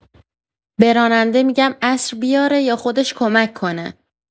به راننده می‌گم عصر بیاره یا خودش کمک کنه.